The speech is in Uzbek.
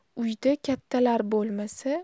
uyda kattalar bo'lmasa